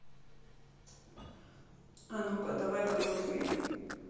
а ну ка давай ка мультфильм